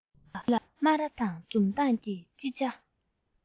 མི ལ སྨ ར དང འཛུམ མདངས ཀྱིས ཅི བྱ